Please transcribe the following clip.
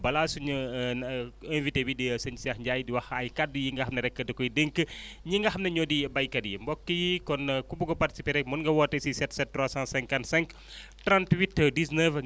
balaa suñu invité bi di sëñ Cheikh Ndiaye di wax ay kàddu yi nga xam ne rek da koy dénk ñi nga xam ne ñoo di béykat yi mbokk yi kon ku bugg a participer rek mun nga woote si 77 355 38 19